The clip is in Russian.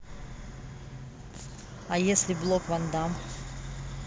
а если блок ван дам